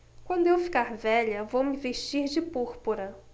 quando eu ficar velha vou me vestir de púrpura